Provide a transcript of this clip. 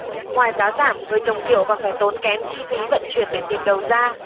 ngoài giá giảm người trồng kiệu còn phải tốn kém chi phí vận chuyển để tìm đầu ra